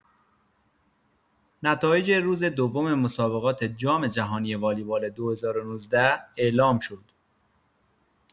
نتایج روز دوم مسابقات جام‌جهانی والیبال ۲۰۱۹ اعلام شد.